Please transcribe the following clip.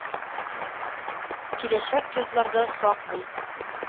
Киләчәк язларда сак бул,